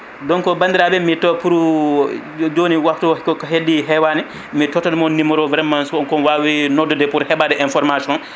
donc bandiɓe mi yetto pour joni waftu o koko heddi heewani mi tottat moon numéro o vraiment so wonko wawi noddude pour heɓade information